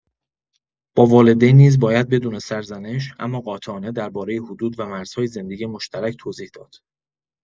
با والدین نیز باید بدون سرزنش، اما قاطعانه درباره حدود و مرزهای زندگی مشترک توضیح داد.